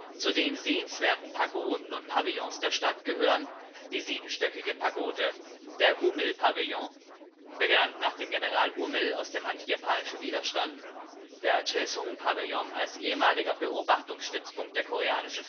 Zu den sehenswerten Pagoden und Pavillons der Stadt gehören: die siebenstöckige Pagode, der Umil-Pavillon (benannt nach General Umil aus dem antijapanischen Widerstand), der Choesung-Pavillon als ehemaliger Beobachtungsstützpunkt der Koreanischen